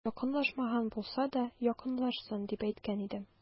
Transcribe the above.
Якынлашмаган булса да, якынлашсын, дип әйткән идем.